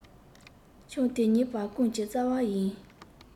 ཆང དེ ཉེས པ ཀུན གྱི རྩ བ ཡིན